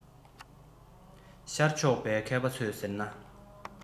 ཤར ཕྱོགས པའི མཁས པ ཚོས ཟེར ན